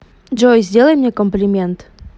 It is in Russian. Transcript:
джой сделай мне комплимент